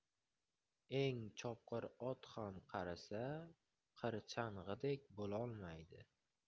eng chopqir ot ham qarisa qirchang'idek bo'lolmaydi